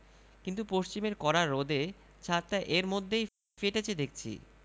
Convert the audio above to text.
কিন্তু পশ্চিমের কড়া রোদে ছাতটা এর মধ্যেই ফেটেচে দেখচি